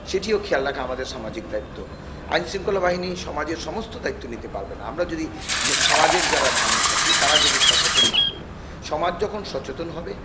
সেটিও খেয়াল রাখা আমাদের সামাজিক দায়িত্ব আইনশৃঙ্খলা বাহিনী সমাজের সমস্ত দায়িত্ব নিতে পারবে না আমরা যদি সমাজের যারা মানুষ আছি তারা যদি সচেতন না হই সমাজ যখন সচেতন হবে